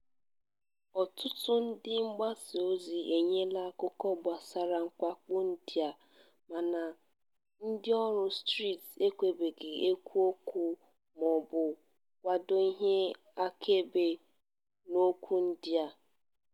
Ọtụtụ ndị mgbasaozi enyela akụkọ gbasara mwakpo ndị a, mana ndịọrụ steeti ekwebeghị ekwu okwu mọọbụ kwado ihe akaebe n'okwu ndị a.